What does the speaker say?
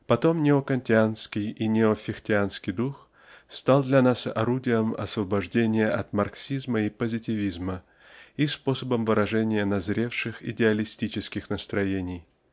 Потом неокантианский и неофихтеанский дух стал для нас орудием освобождения от марксизма и позитивизма и способом выражения назревших идеалистических настроений.